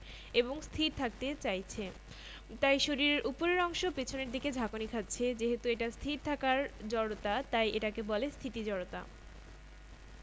এর চাইতে অনেক বিজ্ঞানসম্মত উত্তর হচ্ছে ভর হচ্ছে জড়তার পরিমাপ তোমরা বিষয়টা ভালো করে লক্ষ করো খুব গুরুত্বপূর্ণ একটা কথা বলা হয়েছে